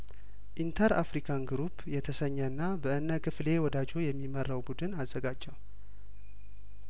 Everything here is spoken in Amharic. ኢንተር አፍሪካን ግሩፕ የተሰኘና በእነ ክፍሌ ወዳጆ የሚመራው ቡድን አዘጋጀው